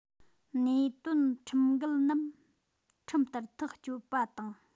ཉེས དོན ཁྲིམས འགལ རྣམས ཁྲིམས ལྟར ཐག གཅོད པ དང